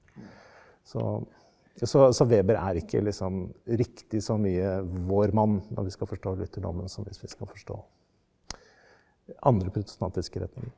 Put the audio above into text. så så så Weber er ikke liksom riktig så mye vår mann når vi skal forstå lutherdommen som hvis vi skal forstå andre protestantiske retninger.